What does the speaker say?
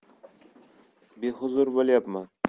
behuzur bo'layapman